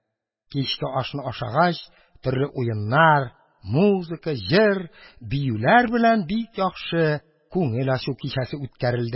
Кичке ашны ашагач, төрле уеннар, музыка, җыр, биюләр белән бик яхшы күңел ачу кичәсе үткәрелде.